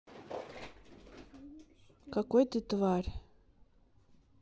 какой ты тварь